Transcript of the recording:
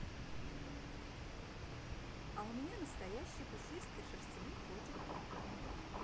а у меня настоящий пушистый шерстяной котик